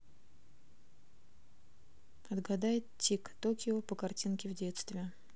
отгадай тик токио по картинке в детстве